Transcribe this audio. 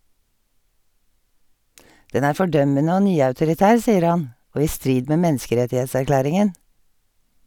Den er fordømmende og nyautoritær, sier han, og i strid med menneskerettighetserklæringen.